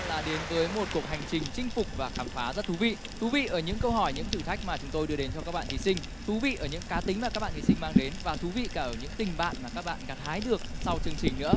là đến với một cuộc hành trình chinh phục và khám phá rất thú vị thú vị ở những câu hỏi những thử thách mà chúng tôi đưa đến cho các bạn thí sinh thú vị ở những cá tính mà các bạn thí sinh mang đến và thú vị cả ở những tình bạn mà các bạn gặt hái được sau chương trình nữa